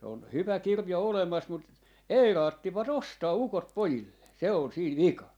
se on hyvä kirja olemassa mutta ei raatsivat ostaa ukot pojilleen se on siinä vikana